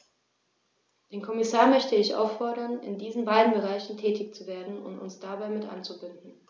Den Kommissar möchte ich auffordern, in diesen beiden Bereichen tätig zu werden und uns dabei mit einzubinden.